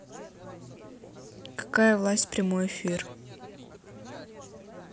какая власть прямой эфир